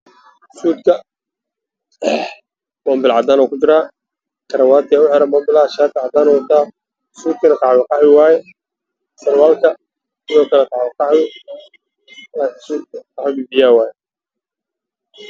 Beeshan waa meel dukaan ah oo labo badan yaalaan waxaa hadda ii muuqda shaati cadaana oo aada u qurax an